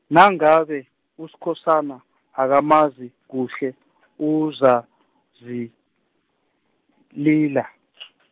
nangabe, Uskhosana akamazi, kuhle, uzazilila .